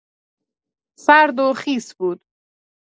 سرد و خیس بود.